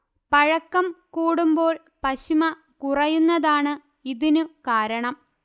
പഴക്കം കൂടുമ്പോൾ പശിമ കുറയുന്നതാണ് ഇതിനു കാരണം